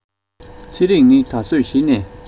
ཚེ རིང ནི ད གཟོད གཞི ནས